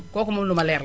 kooku moom lu ma leer la